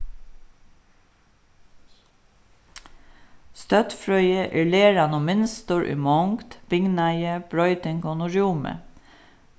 støddfrøði er læran um mynstur í mongd bygnaði broytingum og rúmi